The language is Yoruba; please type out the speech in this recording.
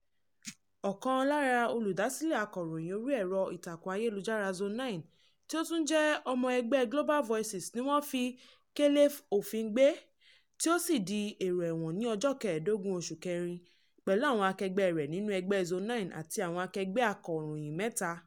Ọkàn lára olùdásílẹ̀ akọ̀ròyìn orí ẹ̀rọ ìtàkùn ayélujára Zone9 tí ó tún jẹ́ ọmọ ẹgbẹ́ Global Voices ni wọ́n fi kélé òfin gbé tí ó sì di èrò ẹ̀wọ̀n ní ọjọ́ kẹẹ̀dógún oṣù kẹrin pẹ̀lú àwọn akẹgbẹ́ rẹ̀ nínú ẹgbẹ́ Zone9 àti àwọn akẹgbẹ́ akọ̀ròyìn mẹ́ta.